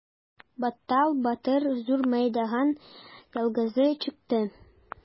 Баттал батыр зур мәйданга ялгызы чыкты.